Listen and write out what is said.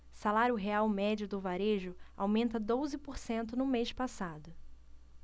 salário real médio do varejo aumenta doze por cento no mês passado